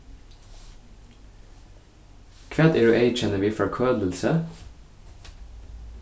hvat eru eyðkennini við forkølilsi